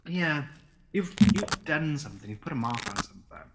Yeah you've you've done something, you've put a mark on something.